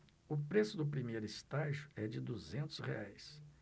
o preço do primeiro estágio é de duzentos reais